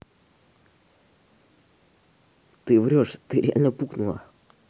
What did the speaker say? ты врешь ты реально пукнула